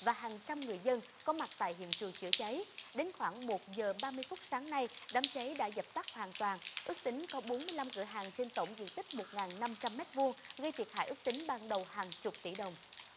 và hàng trăm người dân có mặt tại hiện trường chữa cháy đến khoảng một giờ ba mươi phút sáng nay đám cháy đã dập tắt hoàn toàn ước tính có bốn mươi lăm cửa hàng trên tổng diện tích một nghìn năm trăm mét vuông gây thiệt hại ước tính ban đầu hàng chục tỷ đồng